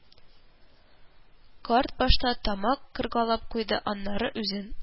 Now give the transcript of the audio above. Карт башта тамак кыргалап куйды, аннары үзенең